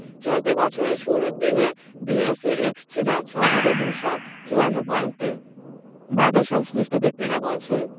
চলতি বছরের শুরুর দিনে ডিএসইএক্স ছিল ৬ হাজার ২৫৪ পয়েন্টে বাজারসংশ্লিষ্ট ব্যক্তিরা বলছেন